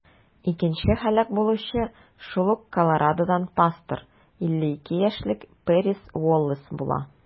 Икенче һәлак булучы шул ук Колорадодан пастор - 52 яшьлек Пэрис Уоллэс була.